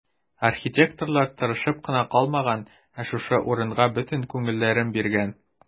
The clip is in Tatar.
Архитекторлар тырышып кына калмаган, ә шушы урынга бөтен күңелләрен биргән.